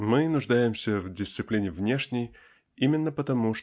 Мы нуждаемся в дисциплине внешней именно потому